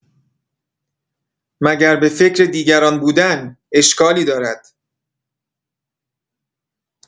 مگر به فکر دیگران بودن اشکالی دارد؟